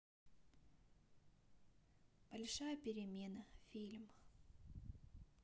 большая перемена фильм